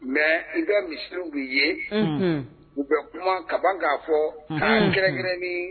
Mɛ i tɛ misiw' ye u bɛ kuma ka ban k' fɔ tankɛrɛnyrɛnini